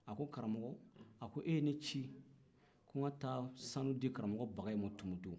a ko karamɔgɔ e ye ne ci ko n ka taa sanu di karamɔgɔ bakayi ma tumutu